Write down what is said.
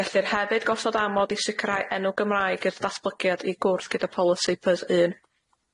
Gellir hefyd gosod amod i sicrhau enw Gymraeg i'r datblygiad i gwrth gyda polisi pys un.